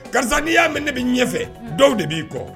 Kaz n'i y'a mɛn ne bɛ ɲɛfɛ dɔw de b'i kɔ